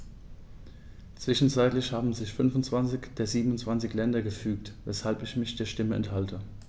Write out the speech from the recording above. Zwischenzeitlich haben sich 25 der 27 Länder gefügt, weshalb ich mich der Stimme enthalte.